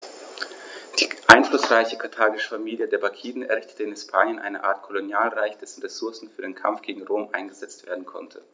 Die einflussreiche karthagische Familie der Barkiden errichtete in Hispanien eine Art Kolonialreich, dessen Ressourcen für den Kampf gegen Rom eingesetzt werden konnten.